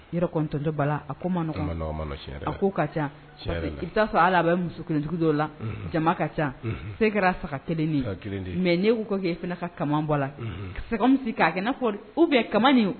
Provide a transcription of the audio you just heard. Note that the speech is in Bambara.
N yɛrɛtɔntɔ bala a ko a ko ka ca i t'a fɔ ala a bɛ muso kelentigiw dɔ la jama ka ca sɛgɛ faga kelen mɛ' ka i fana ka bɔ la sa misi k'a kɛ fɔ u bɛ ka